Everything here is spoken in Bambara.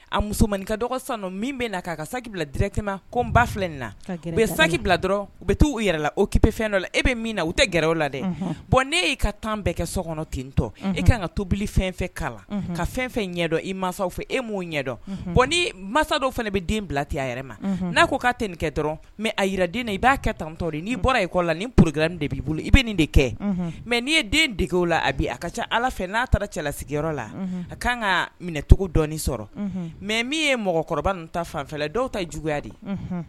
A musoman manin ka dɔgɔ sa min bɛ na ka sa bila dra ma ko n ba filɛ na u bɛ sa bila dɔrɔn u bɛ taa u yɛrɛ la o e bɛ min na u tɛ gɛrɛw la dɛ bɔn' y'i ka tan bɛɛ kɛ so kɔnɔ tentɔ e ka kan ka tobili fɛnfɛ' la ka fɛn fɛn ɲɛdɔn i mansaw fɛ e m' ɲɛdɔn bɔn ni masa dɔw fana bɛ den bilati a yɛrɛ ma n'a ko k'a nin kɛ dɔrɔn mɛ a jiraraden i b'a kɛ tantɔ n'i bɔra i kɔ la ni porokkara de b'i bolo i bɛ nin de kɛ mɛ n'i ye den dege la a bi a ka ca ala fɛ n'a taara cɛla sigiyɔrɔ la a' kan ka minɛcogo dɔi sɔrɔ mɛ min ye mɔgɔkɔrɔba ta fanfɛ dɔw ta juguya de